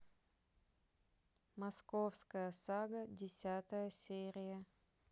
московская сага десятая серия